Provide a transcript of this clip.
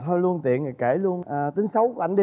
luôn tiện thì kể luôn tính xấu của ảnh đi